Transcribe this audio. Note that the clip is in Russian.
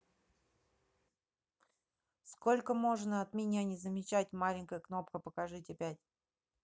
сколько можно от меня не замечать маленькая кнопка покажите пять